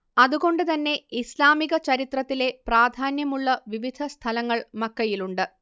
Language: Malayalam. അതു കൊണ്ട് തന്നെ ഇസ്ലാമിക ചരിത്രത്തിലെ പ്രാധാന്യമുള്ള വിവിധ സ്ഥലങ്ങൾ മക്കയിലുണ്ട്